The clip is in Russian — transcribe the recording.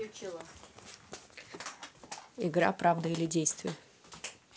игра правда или действие